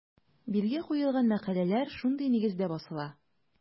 Билге куелган мәкаләләр шундый нигездә басыла.